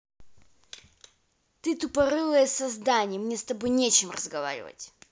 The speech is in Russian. ты тупорылое создание мне с тобой не чем разговаривать